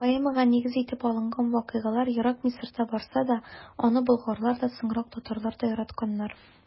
Поэмага нигез итеп алынган вакыйгалар ерак Мисырда барса да, аны болгарлар да, соңрак татарлар да яратканнар.